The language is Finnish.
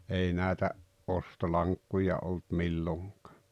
ei näitä ostolankkuja oli milloinkaan